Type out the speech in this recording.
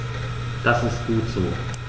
Das ist gut so.